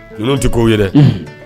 Ninnu tɛ k'ow ye dɛ, unhun